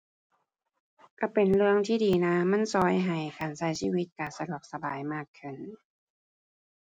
ก็เป็นเรื่องที่ดีนะ มันก็ให้การก็ชีวิตก็สะดวกสบายมากขึ้น